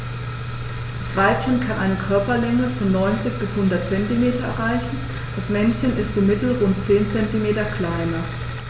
Das Weibchen kann eine Körperlänge von 90-100 cm erreichen; das Männchen ist im Mittel rund 10 cm kleiner.